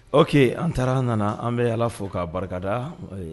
Ɔke an taara an nana an bɛ ala fo k'a barikada